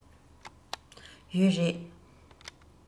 ཡོད རེད